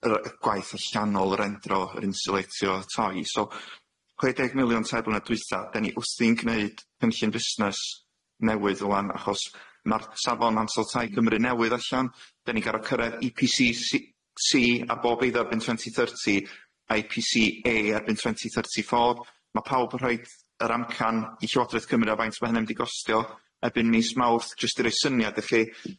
Yr yy gwaith allanol yr endro yr insilatio tai, so chwe deg miliwn tair blynedd dwytha' dyn ni wthi'n gneud cynllun fusnes newydd ŵan achos ma'r safon ansal tai Cymru newydd allan dyn ni gar'o' cyrredd Ee Pee See See Cee a bob eiddo erbyn twenty thirty a' Ee Pee See Ay erbyn twenty thirty four ma' pawb yn rhoid yr amcan i Llywodraeth Cymru a faint ma' hynna'n mynd i gostio erbyn mis Mawrth jyst i roi syniad i chi.